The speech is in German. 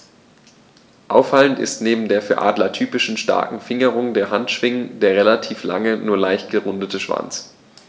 Auffallend ist neben der für Adler typischen starken Fingerung der Handschwingen der relativ lange, nur leicht gerundete Schwanz.